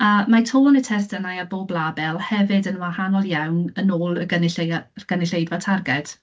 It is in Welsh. A mae tôn y testunau ar bob label hefyd yn wahanol iawn, yn ôl y gynulleia gynulleidfa targed.